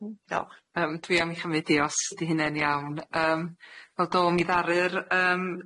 Diolch... Yym, dwi am 'i chymyd 'i os 'di hunne'n iawn. Yym, wel do, mi ddaru'r yym